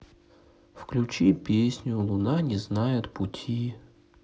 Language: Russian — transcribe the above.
включи песню луна не знает пути